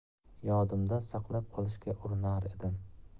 yodimda saqlab qolishga urinar edim